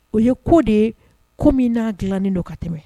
O ye ko de ye ko min n'a dilannen don ka tɛmɛ